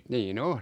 niin on